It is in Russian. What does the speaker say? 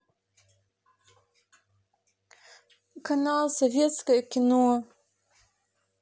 канал советское кино